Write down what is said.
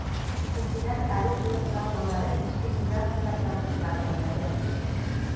Икенчедән, арендалы торак базары эчке миграция процессларына ярдәм итәчәк.